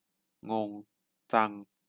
งงจัง